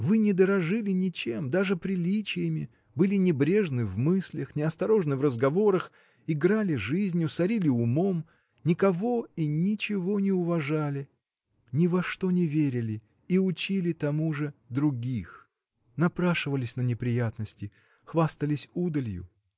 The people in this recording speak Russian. Вы не дорожили ничем — даже приличиями, были небрежны в мыслях, неосторожны в разговорах, играли жизнью, сорили умом, никого и ничего не уважали, ни во что не верили и учили тому же других, напрашивались на неприятности, хвастались удалью.